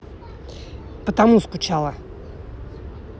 потому скучала